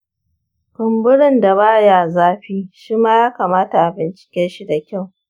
kumburin da baya zafi shima ya kamata a bincikeshi da kyau.